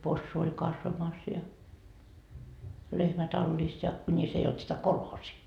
possu oli kasvamassa ja lehmä tallissa ja kunis ei ollut sitä kolhoosia